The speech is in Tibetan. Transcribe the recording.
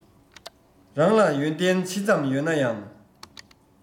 རང ལ ཡོན ཏན ཇི ཙམ ཡོད ན ཡང